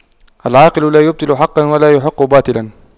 العاقل لا يبطل حقا ولا يحق باطلا